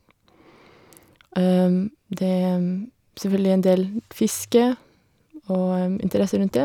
Det er selvfølgelig en del fiske og interesse rundt dét.